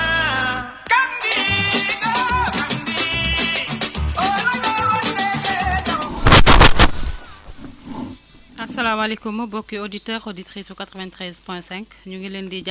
léegi surtot suuf soo xam ne dafa dafa dëgër suuf sooy yooyu en général li ñu gën a kii conseillé mooy comme ay mboq parce que mboq dafa bugg suuf soo xam ne day téye ndox de même que tam basi